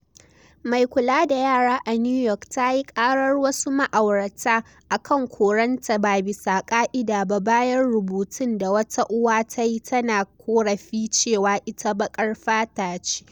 Mai kula da yara a New York tayi ƙarar wasu ma’aurata akan koranta ba bisa ka’ida ba, bayan rubutun da wata uwa tayi tana korafin cewa ita "baƙar fata ce"